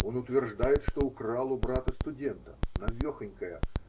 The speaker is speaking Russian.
Он утверждает, что украл у брата студента: новехонькая